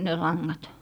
ne langat